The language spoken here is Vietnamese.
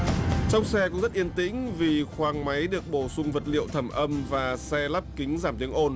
trong xe cũng rất yên tĩnh vì khoang máy được bổ sung vật liệu thẩm âm và xe lắp kính giảm tiếng ồn